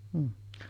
mm